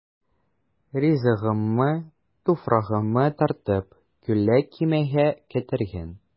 Ризыгыммы, туфрагыммы тартып, Күлле Кимегә китергән.